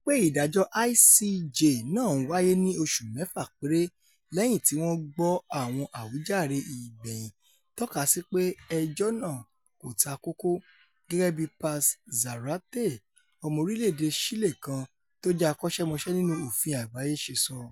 wí pé ìdájọ́ ICJ náà ńwáyé ní oṣù mẹ́fà péré lẹ́yìn tíwọ́n gbọ́ àwọn àwíjàre ìgbẹ̀yìn tọ́kasíi pé ẹjọ́ náà ''kò ta kókó’,- gẹgẹ bíi Paz Zárate, ọmọ orílẹ̀-èdè Ṣílè kan tójẹ́ akọ́ṣẹ́mọṣẹ́ nínú òfin àgbáyé ṣe sọ.